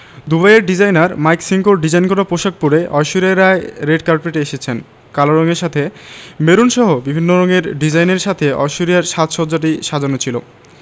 দুবাইয়ের designer Mike সিঙ্কোর design করা পোশাক করে ঐশ্বরিয়া রাই রেড কার্পেটে এসেছেন কালো রঙের সাথে মেরুনসহ বিভিন্ন রঙের ডিজাইনের সাথে ঐশ্বরিয়ার সাজ সজ্জাটি সাজানো ছিল